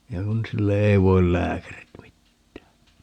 ja kun sille ei voi lääkärit mitään